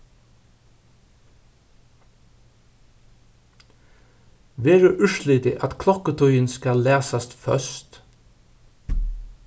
verður úrslitið at klokkutíðin skal læsast føst